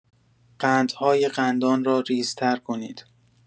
قندهای قندان را ریزتر کنید.